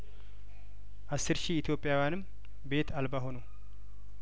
አስር ሺ ኢትዮጵያዊያንም ቤት አልባ ሆኑ